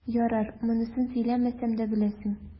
Ярар, монысын сөйләмәсәм дә беләсең.